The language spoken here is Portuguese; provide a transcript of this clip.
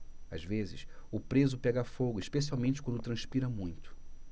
às vezes o preso pega fogo especialmente quando transpira muito